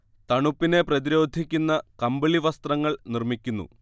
തണുപ്പിനെ പ്രതിരോധിക്കുന്ന കമ്പിളി വസ്ത്രങ്ങൾ നിർമ്മിക്കുന്നു